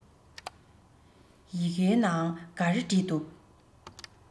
ཡི གེའི ནང ག རེ བྲིས འདུག